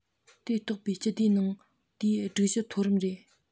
དེ གཏོགས པའི སྤྱི སྡེ ནང དེའི སྒྲིག གཞི མཐོ རིམ རེད